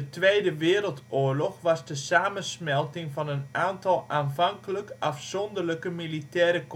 Tweede Wereldoorlog was de samensmelting van een aantal aanvankelijk afzonderlijke militaire